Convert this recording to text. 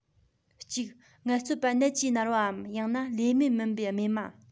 གཅིག ངལ རྩོལ པ ནད ཀྱིས མནར བའམ ཡང ན ལས རྨས མིན པའི རྨས མ